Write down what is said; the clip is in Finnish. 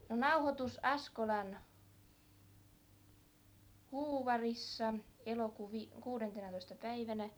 no nauhoitus Askolan Huuvarissa elokuun - kuudentenatoista päivänä